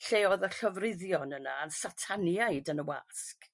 lle odd y llofruddion yna yn Sataniaid yn y wasg